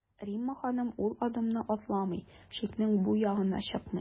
Римма ханым ул адымны атламый, чикнең бу ягына чыкмый.